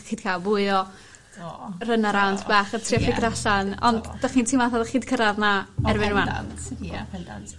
...'dych ch 'di ca'l fwy o ... Do do. ...runaround bach yn trio ffigro allan ond 'dach chi'n teimlo fatha fel chi 'di cyrradd 'na erbyn rŵan? Ia pendant.